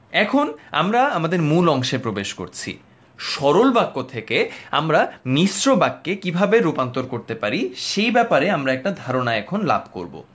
এখন আমরা আমাদের মূল অংশে প্রবেশ করছি সরল বাক্য থেকে আমরা মিশ্র বাক্যে কিভাবে রুপান্তর করতে পারি এই ব্যাপারে আমরা একটা ধারণা এখন লাভ করব